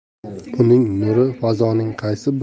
uning nuri fazoning qaysi